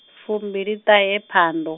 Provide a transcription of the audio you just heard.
fumbiliṱahe phando.